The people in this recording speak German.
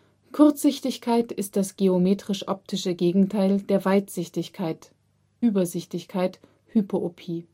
Kurzsichtigkeit ist das geometrisch-optische Gegenteil der Weitsichtigkeit (Übersichtigkeit, Hyperopie